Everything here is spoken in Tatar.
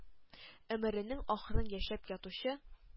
Омеренең ахырын яшәп ятучы,